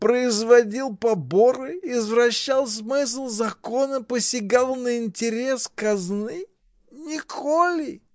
производил поборы, извращал смысл закона, посягал на интерес казны? Николи!